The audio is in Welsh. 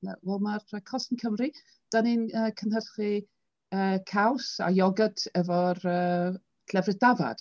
Ie wel mae'r Cosyn Cymru, dan ni'n yy cynhyrchu yy caws a iogwrt efo'r yy llefrith dafad.